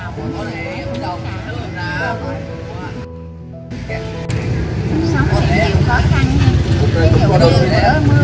nghề nào cũng như nghề ấy cũng khó khăn vất vả hết chứ số lượng khách hàng mà nhiều thì mau hết cuộc sống này nó khó khăn lắm con thí dụ như bữa mưa gió bán không được